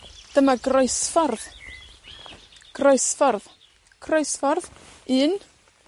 Dyma groesffordd. Groesffordd. Croesffordd un,